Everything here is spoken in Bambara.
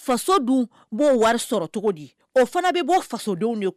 Faso wari sɔrɔ cogo di o fana bɛ bɔ faso de